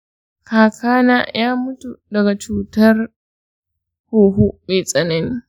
kakana ya mutu daga cutar huhu mai tsanani